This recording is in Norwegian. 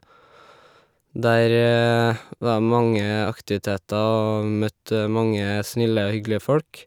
Der var det mange aktiviteter og møtte mange snille og hyggelige folk.